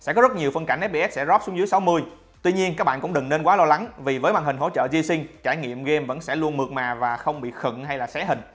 sẽ có rất nhiều phân cảnh fps sẽ drop xuống dưới tuy nhiên cũng đừng nên quá lo lắng vì với màn hình hỗ trợ gsync trải nghiệm game vẫn sẽ luôn mượt mà không bị khựng hay xé hình